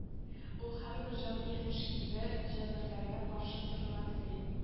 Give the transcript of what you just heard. Ул, һәрбер җан иясе шикелле, җәберләргә каршы торырга тели.